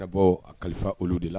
A kalifa olu de la